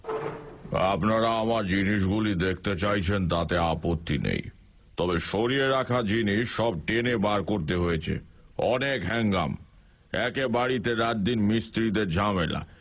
আপনারা আমার জিনিসগুলি দেখতে চাইছেন তাতে আপত্তি নেই তবে সরিয়ে রাখা জিনিস সব টেনে বার করতে হয়েছে অনেক হ্যাঙ্গাম একে বাড়িতে রাতদিন মিস্ত্রিদের ঝামেলা